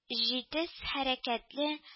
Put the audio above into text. Җитез хәрәкәтле